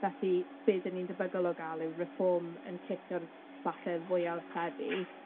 Felly be 'dyn ni'n debygol o ga'l yw Reform yn cipio'r falle fwya o seddi